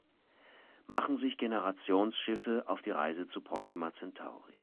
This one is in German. machen sich Generationsschiffe auf die Reise zu Proxima Centauri